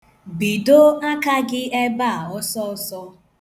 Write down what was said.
Bidoo aka gị ebe a ọsọọsọ.